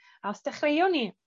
A os dechreuwn ni